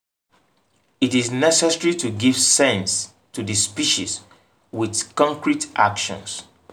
It is necessary to give sense to the speeches with concrete actions.